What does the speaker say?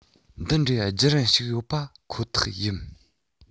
འདི འདྲའི བརྒྱུད རིམ ཞིག ཡོད པ ཁོ ཐག ཡིན